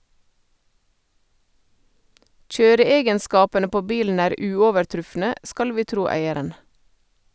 Kjøreegenskapene på bilen er uovertrufne, skal vi tro eieren.